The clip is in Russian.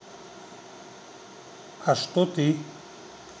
а что ты